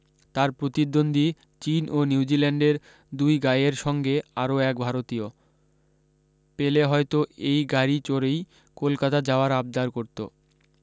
তার প্রতিদ্বন্দ্বী চীন ও নিউজিল্যান্ডের দুই গাইয়ের সঙ্গে আরও এক ভারতীয় পেলে হয়তো এই গাড়ী চড়ই কলকাতা যাওয়ার আবদার করত